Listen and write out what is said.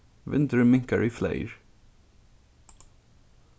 vindurin minkar í fleyr